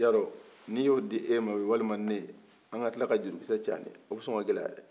yarɔ n'i y'o di e ma walima ne an katila ka jurukisɛ caani o besɔn ka gɛlɛya dɛ